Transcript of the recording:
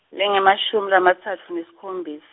lengemashumi lamatsatfu nesikhombis-.